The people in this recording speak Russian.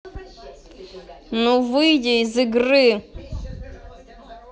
ну выйди из игры